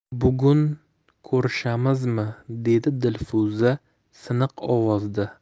bugun ko'rishamizmi dedi dilfuza siniq ovozda